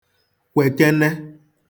kwekene